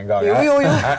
jo jo jo.